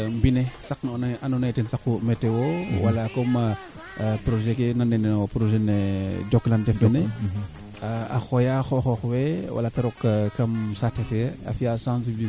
den moƴ ndef jafe jafe fe parce que a mbadiida nga rek ke moƴna na may no jale le njuta fuleer na kaa yaqano yo roogo ndigil kaa ngenooxa no yaq